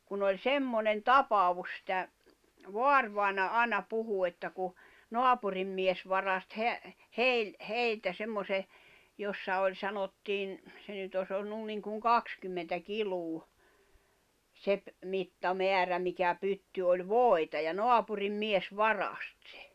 kun oli semmoinen tapaus sitä vaarivainaja aina puhui että kun naapurin mies varasti -- heiltä semmoisen jossa oli sanottiin se nyt olisi ollut niin kuin kaksikymmentä kiloa se - mittamäärä mikä pytty oli voita ja naapurin mies varasti se